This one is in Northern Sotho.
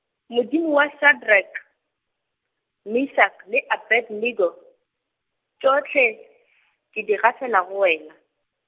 Modimo wa Shadrack, Meshack le Abednego, tšohle, ke di gafela go wena.